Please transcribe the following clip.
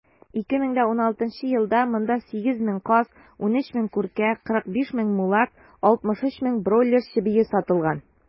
2016 елда монда 8 мең каз, 13 мең күркә, 45 мең мулард, 63 мең бройлер чебие сатылган.